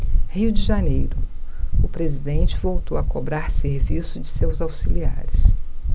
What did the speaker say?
rio de janeiro o presidente voltou a cobrar serviço de seus auxiliares